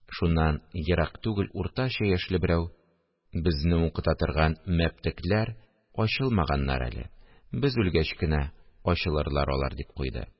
Шуннан ерак түгел уртача яшьле берәү: – Безне укыта торган мәптекләр ачылмаганнар әле, без үлгәч кенә ачылырлар алар, – дип куйды